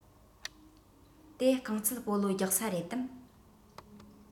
དེ རྐང རྩེད སྤོ ལོ རྒྱག ས རེད དམ